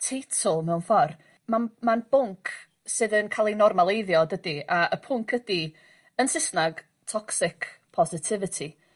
teitl mewn ffor ma'n ma'n bwnc sydd yn ca'l 'i normaleiddio dydy a y pwnc ydy yn Sysnag toxic positivity.